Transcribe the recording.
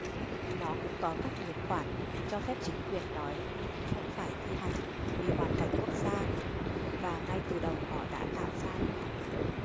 nó cũng có các điều khoản cho phép chính quyền nói mình không phải thi hành vì hoàn cảnh quốc gia và ngay từ đầu họ đã tạo ra lỗ hổng